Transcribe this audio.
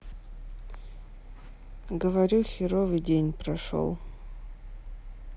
говорю херовый день прошел